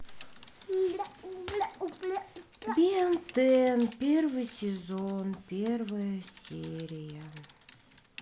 бен тен первый сезон первая серия